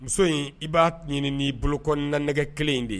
Muso in i b'a ɲinin ni bolokok na nɛgɛ kelen in de ye